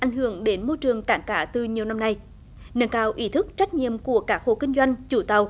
ảnh hưởng đến môi trường cảng cá từ nhiều năm nay nâng cao ý thức trách nhiệm của các hộ kinh doanh chủ tàu